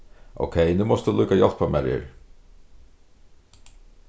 ókey nú mást tú líka hjálpa mær her